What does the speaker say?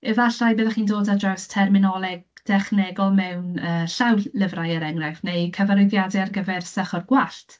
Efallai byddech chi'n dod at draws terminoleg dechnegol mewn, yy, llawlyfrau er enghraifft, neu cyfarwyddiadau ar gyfer sychwr gwallt.